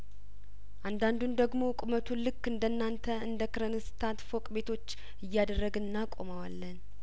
አንዳንዱን ደግሞ ቁመቱን ልክ እንደናንተ እንደክረንስታት ፎቅ ቤቶች እያደረግን እናቆመዋለን